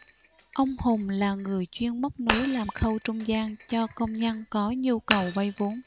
ông hùng là người chuyên móc nối làm khâu trung gian cho công nhân có nhu cầu vay vốn